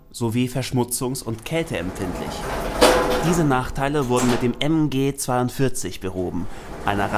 sowie verschmutzungs - und kälteempfindlich. Diese Nachteile wurden durch eine radikale Neukonstruktion mit dem MG 42 behoben, das